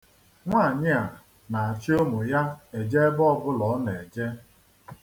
Nwaanyị a na-achị ụmu ya eje ebe ọbụla ọ na-eje.